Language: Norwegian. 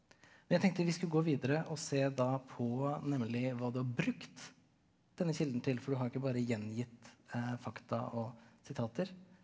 men jeg tenkte vi skulle gå videre og se da på nemlig hva du har brukt denne kilden til for du har ikke bare gjengitt fakta og sitater.